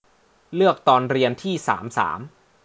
เลือกตอนเรียนที่สามสาม